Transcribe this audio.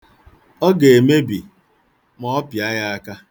Ọ ga-emebi ma ọ pịa ya aka.